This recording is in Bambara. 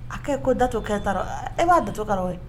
A ko ko dato kɛ taara e b'a dato kɛra ye